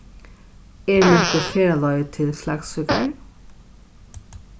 er nøkur ferðaleið til klaksvíkar